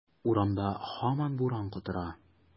Урамда һаман буран котыра.